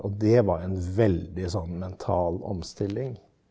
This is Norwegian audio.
og det var jo en veldig sånn mental omstilling.